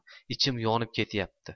ichim yonib ketayapti